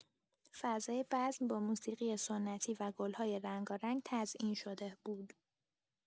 فضای بزم با موسیقی سنتی و گل‌های رنگارنگ تزئین شده بود.